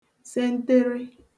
sentere